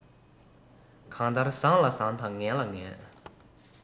གང ལྟར བཟང ལ བཟང དང ངན ལ ངན